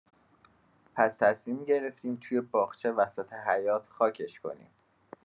پس تصمیم گرفتیم توی باغچه وسط حیاط، خاکش کنیم.